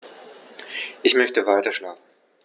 Ich möchte weiterschlafen.